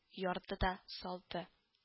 Ярды да салды: